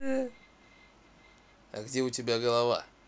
а где у тебя голова